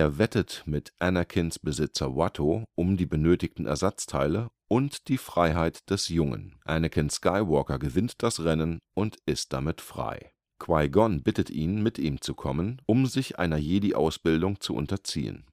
wettet mit Anakins Besitzer Watto um die benötigten Ersatzteile und die Freiheit des Jungen. Anakin Skywalker gewinnt das Rennen und ist damit frei. Qui-Gon bittet ihn, mit ihm zu kommen, um sich einer Jedi-Ausbildung zu unterziehen